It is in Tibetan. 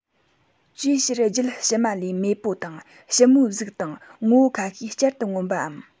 ཅིའི ཕྱིར རྒྱུད ཕྱི མ ལས མེས པོ དང ཕྱི མོའི གཟུགས དང ངོ བོ ཁ ཤས བསྐྱར དུ མངོན པའམ